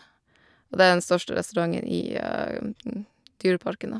Og det er den største restauranten i dyreparken, da.